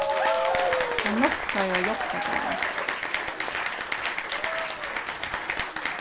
hann noktaði at hjálpa teimum